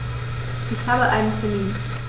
Ich habe einen Termin.